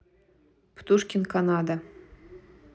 птушкин канада